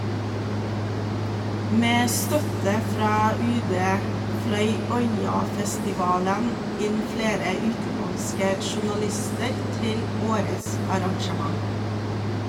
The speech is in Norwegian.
Med støtte fra UD fløy Øyafestivalen inn flere utenlandske journalister til årets arrangement.